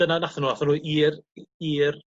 dyna nathon n'w athon n'w i'r i'r